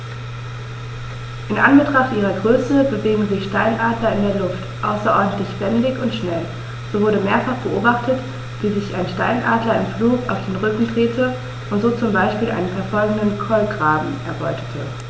In Anbetracht ihrer Größe bewegen sich Steinadler in der Luft außerordentlich wendig und schnell, so wurde mehrfach beobachtet, wie sich ein Steinadler im Flug auf den Rücken drehte und so zum Beispiel einen verfolgenden Kolkraben erbeutete.